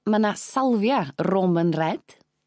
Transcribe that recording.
Ma' 'na salvia Roman red